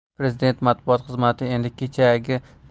prezident matbuot xizmati endi kechagi